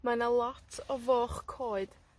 Mae 'na lot o foch coed